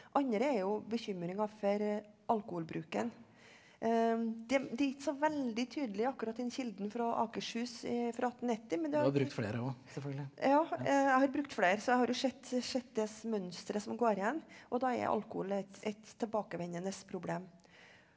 andre er jo bekymringa for alkoholbruken det det er ikke så veldig tydelig akkurat i den kilden fra Akershus ifra 1890 ja jeg har brukt flere så jeg har jo sett sett det mønsteret som går igjen og da er alkohol et et tilbakevendende problem.